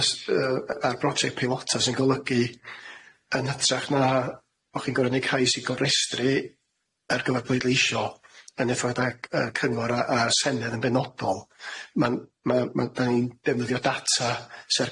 nes- yy a- a'r broject peilota sy'n golygu yn hytrach na o'ch chi'n gor'o' neu' cais i cofrestru ar gyfar pleidleisio yn ethywed ag yy cyngor a a senedd yn benodol ma'n ma' ma'n na'n i'n defnyddio data sy ar